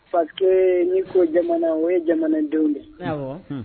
Pa ni ko o ye jamana denw dɛ